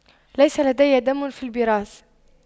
ليس لدي دم في البراز